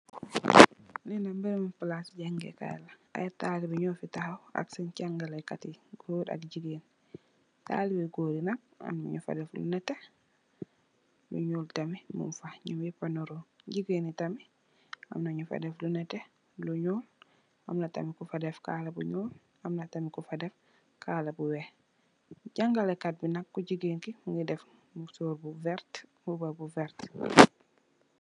Li nak barabi palasi jangèè kai ay talibeh ño fi taxaw ak sèèn jangalekai yi gór ak jigeen, talibeh gór yi nak am na ku fa dèf lu netteh lu ñuul tamit mung fa ñum ñap pa niro. Jigeen yi tamit ma na kufa dèf lu netteh lu ñuul am na tam kufa dèf kala bu ñuul am na tam kufa dèf kala bu wèèx. Jangalekai bi nak ku jigeen ki mugii def musór bu werta mbubu bu werta.